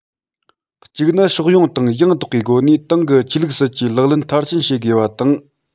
གཅིག ནི ཕྱོགས ཡོངས དང ཡང དག པའི སྒོ ནས ཏང གི ཆོས ལུགས སྲིད ཇུས ལག ལེན མཐར ཕྱིན བྱེད དགོས པ དང